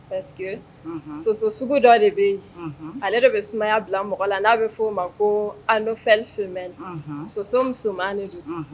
Parce que soso sugu dɔ de bɛ yen ale de bɛ sumaya bila mɔgɔ la n'a bɛ f'o ma ko an fɛn soso musoman don